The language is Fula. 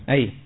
ayi